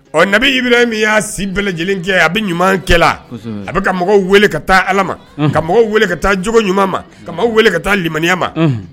Ɔ nabiyibi min y'a si bɛɛ lajɛlen kɛ a bɛ ɲuman kɛ a bɛ ka mɔgɔw weele ka taa ala ma ka mɔgɔw weele ka taa cogo ɲuman ma ka weele ka taa lmaniya ma